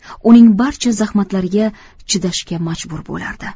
uning barcha zahmatlariga chidashga majbur bo'lardi